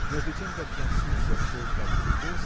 Между тем как француз зашел так далеко